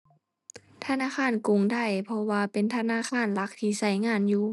ธนาคารกรุงไทย เพราะว่าเป็นธนาคารหลักที่ใช้งานอยู่